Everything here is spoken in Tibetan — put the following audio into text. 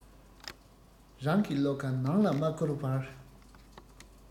རང གི བློ ཁ ནང ལ མ བསྐོར བར